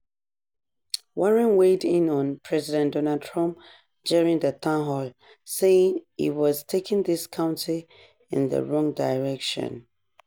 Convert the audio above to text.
Warren weighed in on President Donald Trump during the town hall, saying he was "taking this county in the wrong direction.